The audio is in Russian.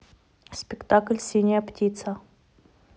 спектакль синяя птица